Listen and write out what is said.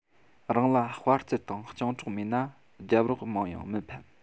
རང ལ དཔའ རྩལ དང སྤྱང གྲུང མེད ན རྒྱབ རོགས མང ཡང མི ཕན